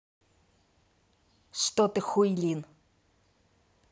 что ты хуелин